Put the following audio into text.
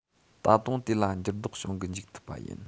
ད དུང དེ ལ འགྱུར ལྡོག བྱུང གི འཇུག ཐུབ པ ཡིན